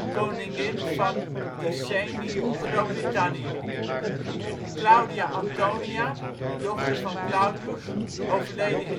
koningin van de Iceni (Groot-Brittannië) Claudia Antonia, dochter van Claudius (overleden